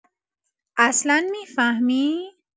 اصلا می‌فهمی؟